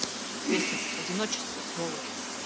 песня одиночество сволочь